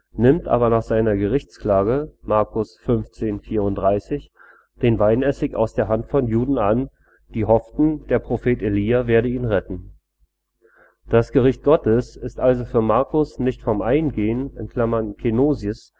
nimmt aber nach seiner Gerichtsklage (Mk 15,34) den Weinessig aus der Hand von Juden an, die hofften, der Prophet Elija werde ihn retten. Das Gericht Gottes ist also für Markus nicht vom Eingehen (Kenosis